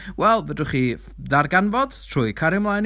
Wel fedrwch chi ddarganfod, trwy cario mlaen...